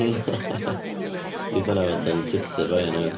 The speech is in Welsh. Yndi geith hwnna fod yn Twitter bio newydd.